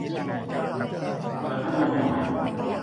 เปิดพัดลมหน่อย